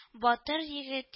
Батыр егет